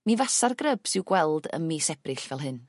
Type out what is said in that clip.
mi fasa'r grybs i'w gweld ym mis Ebrill fel hyn.